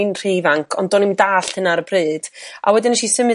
oni'n rhy ifanc ond doni'm yn dalld hyna ar y pryd a wedyn nes i symud